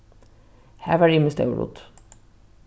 har var ymiskt órudd